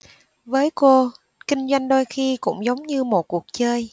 với cô kinh doanh đôi khi cũng giống như một cuộc chơi